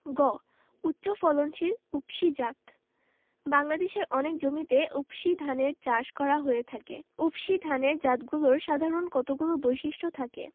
গ উচ্চফলনশীল উফশী জাতঃ বাংলাদেশের অনেক জমিতে উফশী ধানের চাষ করা হয়ে থাকে উফশী ধানের জাতগুলোর সাধারণ কতগুলো বৈশিষ্ট্য থাকে